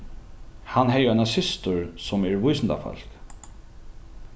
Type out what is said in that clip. hann hevði eina systur sum er vísindafólk